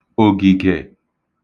ògìgè